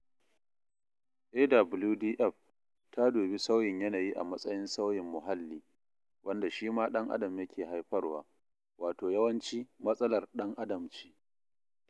AWDF ta dubi sauyin yanayi a matsayin sauyin muhalli, wanda shi ma ɗan adam yake haifarwa, wato yawanci matsalar ɗan adam ce.